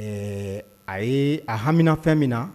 Ee a ye a haminaan fɛn min na